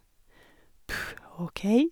Puh, OK.